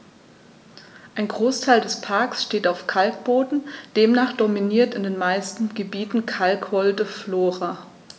Ein Großteil des Parks steht auf Kalkboden, demnach dominiert in den meisten Gebieten kalkholde Flora.